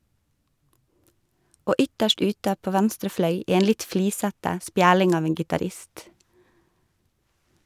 Og ytterst ute på venstre fløy en litt flisete, spjæling av en gitarist.